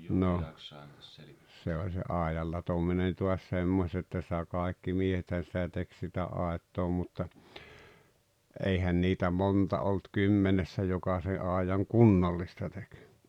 no se oli se aidanlatominen taas semmoista että sitä kaikki miehethän sitä teki sitä aitaa mutta eihän niitä monta ollut kymmenessä joka se aidan kunnollista teki